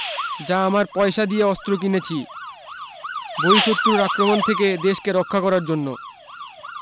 যা আমার পয়সা দিয়ে অস্ত্র কিনেছি বহিঃ শত্রুর আক্রমণ থেকে দেশকে রক্ষা করার জন্য